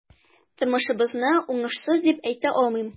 Тормышыбызны уңышсыз дип әйтә алмыйм.